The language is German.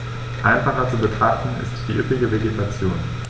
Einfacher zu betrachten ist die üppige Vegetation.